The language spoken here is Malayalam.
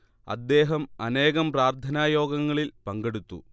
അദ്ദേഹം അനേകം പ്രാർത്ഥനാ യോഗങ്ങളിൽ പങ്കെടുത്തു